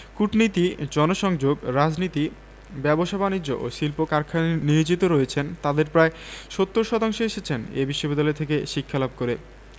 কূটনীতি জনসংযোগ রাজনীতি ব্যবসা বাণিজ্য ও শিল্প কারখানায় নিয়োজিত রয়েছেন তাঁদের প্রায় ৭০ শতাংশ এসেছেন এ বিশ্ববিদ্যালয় থেকে শিক্ষালাভ করে